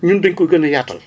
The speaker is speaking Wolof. ñun dañ koo gën a yaatal